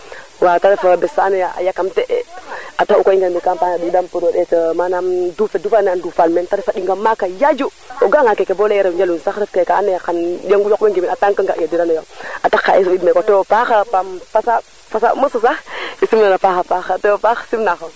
wa kay ka ref bes fa ando naye a yakam ti e a tax u kay i ndef no campagne a Mbimbane pour ndeto yo manam dufe dufe ke ando naye a ndufaan meen te ref a ɗinga maak yaaju o ga a nga keeke bo nade rew njalun sax ref ke ka ando naye xan yoq we ngoimna tank nga o dirano yo a tax ka i suriid meeke tewo paaax paam fasaɓ fasaɓ mosu sax i sim nin a paxa pax o tewo paax simna xong